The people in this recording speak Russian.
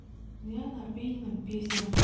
диана арбенина песня